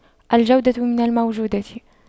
الجودة من الموجودة